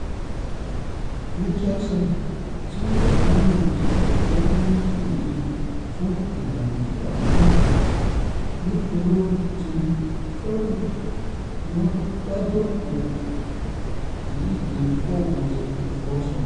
Mickelson, tí ó ń kópa nínú ìdíje ọlọ́dún méjì méjì fún ìgbà 12 nínú ìtàn, ní olórí Jim Furyk wọ́n dá jókòó ìdíje fourballs àti foursomes.